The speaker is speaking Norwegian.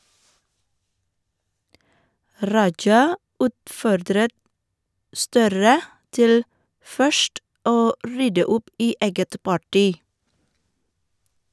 Raja utfordret Støre til først å rydde opp i eget parti.